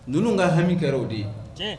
Ninnu ka hami kɛra o de ye, tiɲɛn !